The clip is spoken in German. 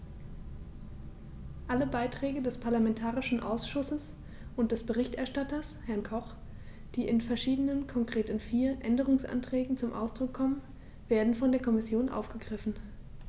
Alle Beiträge des parlamentarischen Ausschusses und des Berichterstatters, Herrn Koch, die in verschiedenen, konkret in vier, Änderungsanträgen zum Ausdruck kommen, werden von der Kommission aufgegriffen.